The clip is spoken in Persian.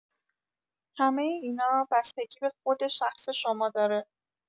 همه اینا بستگی به خود شخص شما داره.